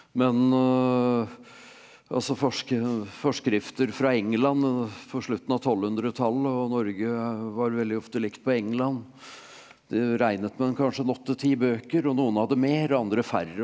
men altså forske forskrifter fra England for slutten av tolvhundretallet og Norge var veldig ofte likt på England de regnet med en kanskje en åtte ti bøker og noen hadde mer og andre færre.